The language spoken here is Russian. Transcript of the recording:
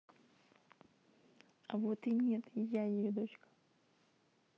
а вот и нет я ее дочка